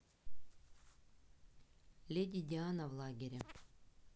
леди диана в лагере